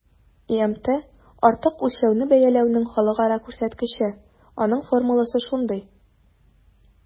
ИМТ - артык үлчәүне бәяләүнең халыкара күрсәткече, аның формуласы шундый: